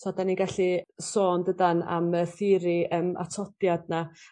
so 'dan ni'n gallu sôn dydan am y theori yym atodiad 'na